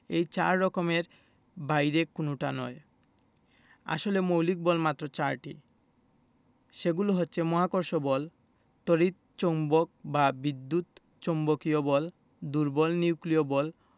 এই চার রকমের বাইরে কোনোটা নয় আসলে মৌলিক বল মাত্র চারটি সেগুলো হচ্ছে মহাকর্ষ বল তড়িৎ চৌম্বক বা বিদ্যুৎ চৌম্বকীয় বল দুর্বল নিউক্লিয় বল